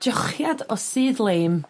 jiochiad o sudd leim